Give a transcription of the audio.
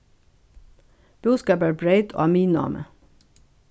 búskaparbreyt á miðnámi